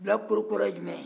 bilakoro kɔrɔ ye jumɛn ye